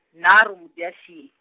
nharhu Mudyaxihi.